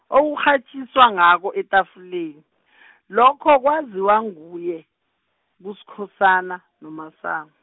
okukghatjiswa ngakho etafuleni , lokho kwaziwa nguye, kuSkhosana noMasango.